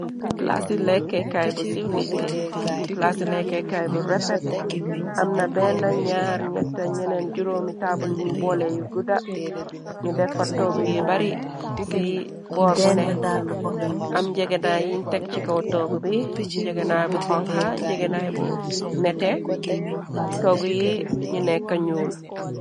Palaasi lakkekaay bu siiw liisè, palaasi lekkekaay bu refet. Amna benna, ñaar, ñete, ñeneen, juróomi taabul yuñ boolè yu gudda. Nu defa toogu yu bari ci boor bu nè. Am njegenay yiñ tek ci kaw toogu bi, njegenaay bu honkha, njegenaay bu nete. Toogu yi ñu nekka ñuul.